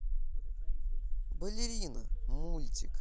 балерина мультик